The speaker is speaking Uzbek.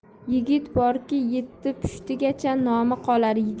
yigit borki yetti pushtigacha nomi qolar